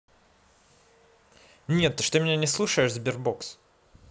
нет ты что меня не слушаешь sberbox